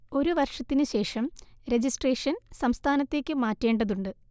ഒരു വർഷത്തിന് ശേഷം രജിസ്ഷ്രേൻ സംസ്ഥാനത്തേക്ക് മാറ്റേണ്ടതുണ്ട്